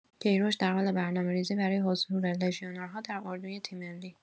کی‌روش در حال برنامه‌ریزی برای حضور لژیونرها در اردوی تیم‌ملی